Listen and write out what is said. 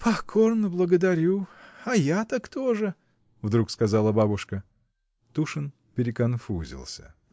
— Покорно благодарю: а я-то кто же? — вдруг сказала бабушка. Тушин переконфузился.